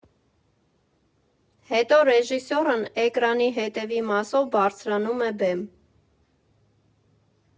Հետո ռեժիսորն էկրանի հետևի մասով բարձրանում է բեմ։